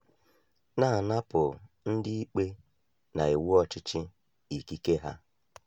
Na-anapụ ndị ikpe na iwu ọchịchị ikike ha